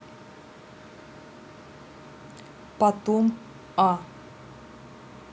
потом а